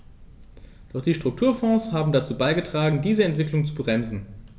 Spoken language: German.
Doch die Strukturfonds haben dazu beigetragen, diese Entwicklung zu bremsen.